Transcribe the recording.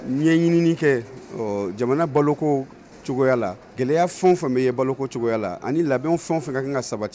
N ye ɲinin kɛ jamana baloko cogoyala gɛlɛya fɛn fan bɛ ye baloko cogoya la ani labɛn fɛn fɛ ka kan ka sabati